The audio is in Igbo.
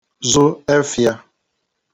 zụ ẹfhịa